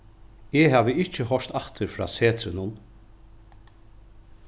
eg havi ikki hoyrt aftur frá setrinum